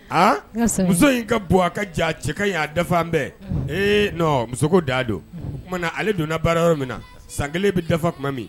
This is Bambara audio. A muso in ka bɔ a ka jan cɛ ka y' a dafa bɛɛ ee muso d da don o k tumaumana na ale donna baara yɔrɔ min na san kelen bɛ dafa tuma min